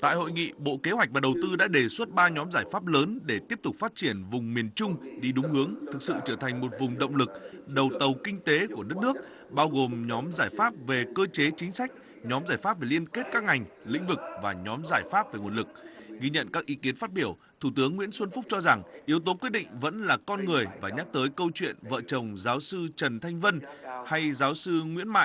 tại hội nghị bộ kế hoạch và đầu tư đã đề xuất ba nhóm giải pháp lớn để tiếp tục phát triển vùng miền trung đi đúng hướng thực sự trở thành một vùng động lực đầu tàu kinh tế của đất nước bao gồm nhóm giải pháp về cơ chế chính sách nhóm giải pháp để liên kết các ngành lĩnh vực và nhóm giải pháp về nguồn lực ghi nhận các ý kiến phát biểu thủ tướng nguyễn xuân phúc cho rằng yếu tố quyết định vẫn là con người và nhắc tới câu chuyện vợ chồng giáo sư trần thanh vân hay giáo sư nguyễn mại